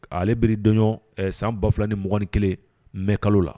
Ale biri dɔnɔn san 20 ni mɔni kelen mɛ kalo la